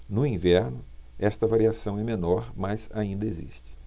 no inverno esta variação é menor mas ainda existe